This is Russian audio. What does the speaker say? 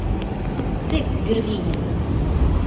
секс в берлине